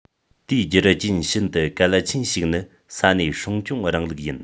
དེའི རྒྱུ རྐྱེན ཤིན ཏུ གལ ཆེན ཞིག ནི ས གནས སྲུང སྐྱོང རིང ལུགས ཡིན